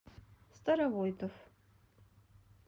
старовойтов